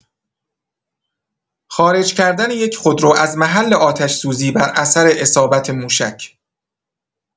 خارج‌کردن یک خودرو از محل آتش‌سوزی بر اثر اصابت موشک